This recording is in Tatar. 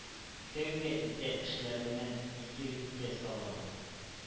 Тәүбә итә эшләреннән, изгелеккә салына: